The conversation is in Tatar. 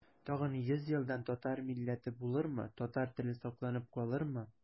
Тагын йөз елдан татар милләте булырмы, татар теле сакланып калырмы?